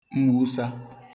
mwusa